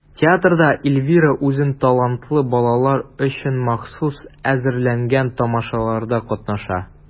Театрда Эльвира үзен талантлы балалар өчен махсус әзерләнгән тамашаларда катнаша.